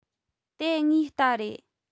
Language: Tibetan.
དེ ངའི རྟ རེད